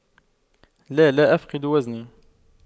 لا لا أفقد وزني